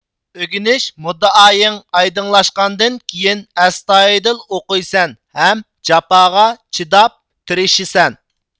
ئۆگىنىش مۇددىئايىڭ ئايدىڭلاشقاندىن كېيىن ئەستايىدىل ئوقۇيسەن ھەم جاپاغا چىداپ تىرىشىسەن